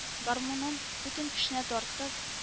Гармунын бөтен көченә тартып